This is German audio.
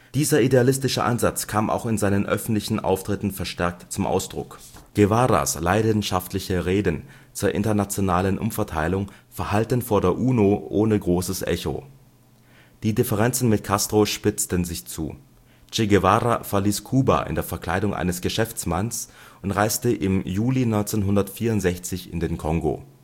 Dieser idealistische Ansatz kam auch in seinen öffentlichen Auftritten verstärkt zum Ausdruck. Guevaras leidenschaftliche Reden zur internationalen Umverteilung verhallten vor der UNO ohne großes Echo. Die Differenzen mit Castro spitzten sich zu. Che Guevara verließ Kuba in der Verkleidung eines Geschäftsmanns und reiste im Juli 1964 in den Kongo